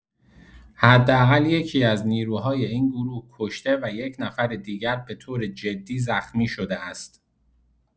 حداقل یکی‌از نیروهای این گروه کشته و یک نفر دیگر به‌طور جدی زخمی شده است.